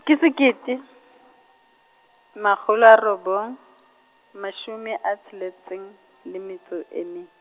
ke sekete, makgolo a robong, mashome a tsheletseng, le metso e mme.